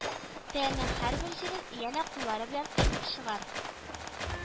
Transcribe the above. Тәне һәрбер җирен янә куллары белән ышкып чыгар